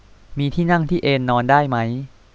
มีที่นั่งที่เอนนอนได้มั้ย